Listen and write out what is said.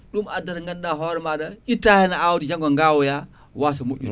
ɗum addata ganduɗa hoore maɗa itta hen awdi janngo gawoya wasa moƴƴude